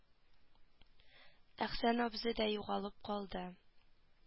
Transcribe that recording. Әхсән абзый да югалып калды